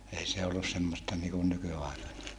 ei se ollut semmoista niin kuin nykyaikainen